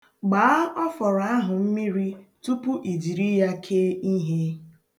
Gbaa ọfọrọ ahụ mmiri tupu i jiri ya kee ihe.